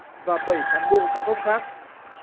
và bảy cán bộ cao cấp khác